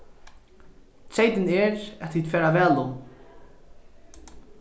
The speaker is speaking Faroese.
treytin er at tit fara væl um